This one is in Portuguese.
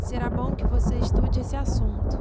será bom que você estude esse assunto